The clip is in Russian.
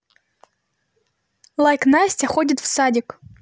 лайк настя ходит в садик